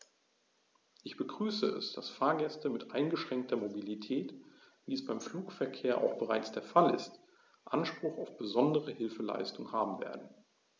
Ich begrüße es, dass Fahrgäste mit eingeschränkter Mobilität, wie es beim Flugverkehr auch bereits der Fall ist, Anspruch auf besondere Hilfeleistung haben werden.